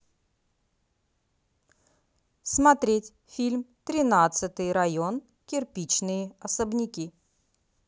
смотреть фильм тринадцатый район кирпичные особняки